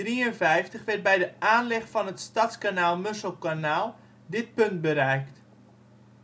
1853 werd bij de aanleg van het Stadskanaal/Musselkanaal dit punt bereikt.